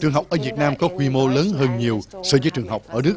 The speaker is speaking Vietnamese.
trường học ở việt nam có quy mô lớn hơn nhiều so với trường học ở đức